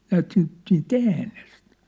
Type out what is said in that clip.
näet siitä siitä äänestä